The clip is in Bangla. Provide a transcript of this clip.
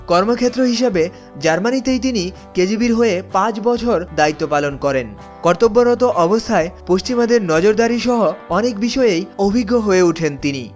কর্মক্ষেত্র হিসেবে জার্মানিকে তিনি কেজিবির হয়ে পাঁচ বছর দায়িত্ব পালন করেন কর্তব্যরত অবস্থায় পশ্চিমাদের নজরদারি সহ অনেক বিষয়ে অভিজ্ঞ হয়ে ওঠেন তিনি